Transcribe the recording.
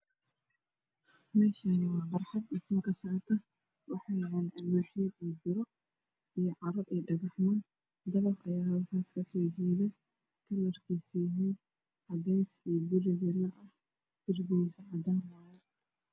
Meeshaani waa barxad dhismo ka socoto Waxaa yaala alwaaxyo biro iyo caro iyo dhagaxman dabaq ayaa halkaas ka soo jeedo kalarkiisu waa gaduud iyo cadees guri fila ah derbiikiisu cadaan ah